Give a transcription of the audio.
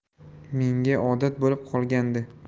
menga odat bo'lib qolgandi